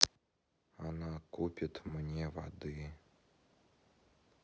она купит мне воды